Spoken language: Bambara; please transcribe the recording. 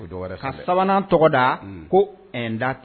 O sabanan tɔgɔ da ko da